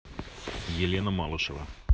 елена малышева